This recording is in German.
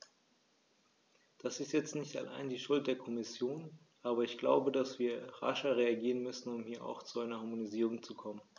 Das ist jetzt nicht allein die Schuld der Kommission, aber ich glaube, dass wir rascher reagieren müssen, um hier auch zu einer Harmonisierung zu kommen.